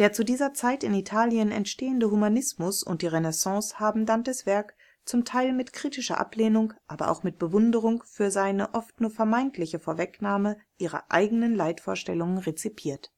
zu dieser Zeit in Italien entstehende Humanismus und die Renaissance haben Dantes Werk zum Teil mit kritischer Ablehnung, aber auch mit Bewunderung für seine oft nur vermeintliche Vorwegnahme ihrer eigenen Leitvorstellungen rezipiert